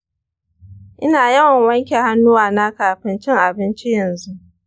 ina yawan wanke hannuwana kafin cin abinci yanzu.